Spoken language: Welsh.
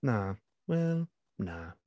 Na wel na.